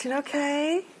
Ti'n oce?